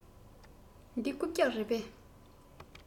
འདི རྐུབ བཀྱག རེད པས